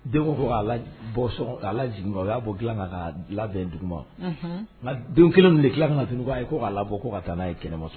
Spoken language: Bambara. Den fɔ ala jigin u y'a bɔ tila na ka labɛn dugu ma nka don kelen ni de tila bɛna na tun' a ye ko k' ala bɔ ko ka taa n'a ye kɛnɛma